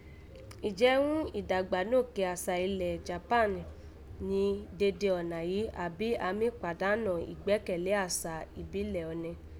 Ǹjẹ́ ghún ìdàgbànókè àṣà ilẹ̀ Jàpáànì ni dede ọ̀nà yìí àbí àmì kpàdánọ̀ ìgbẹ́kẹ̀lé àsà ìbílẹ̀ ọnẹ?